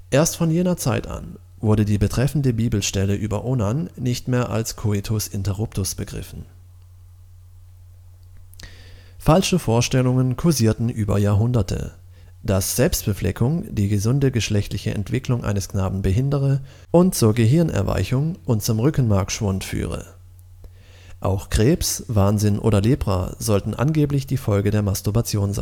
Erst von jener Zeit an wurde die betreffende Bibelstelle über Onan nicht mehr als Coitus interruptus begriffen. Falsche Vorstellungen kursierten über Jahrhunderte, dass „ Selbstbefleckung” die gesunde geschlechtliche Entwicklung eines Knaben behindere und zur Gehirnerweichung und zum Rückenmarksschwund führe. Auch Krebs, Wahnsinn oder Lepra sollten angeblich die Folge der Masturbation